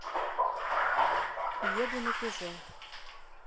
еду на пежо